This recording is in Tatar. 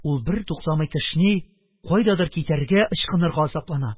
Ул бер туктамый кешни, кайдадыр китәргә, ычкынырга азаплана.